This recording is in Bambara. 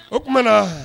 O tuma na